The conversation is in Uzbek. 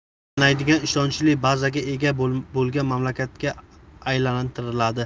ta'minlaydigan ishonchli bazaga ega bo'lgan mamlakatga aylantiradi